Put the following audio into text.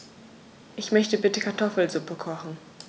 Ich möchte bitte Kartoffelsuppe kochen.